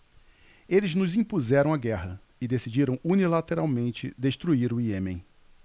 eles nos impuseram a guerra e decidiram unilateralmente destruir o iêmen